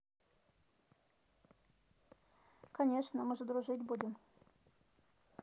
конечно мы же дружить будем